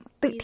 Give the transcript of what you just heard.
tự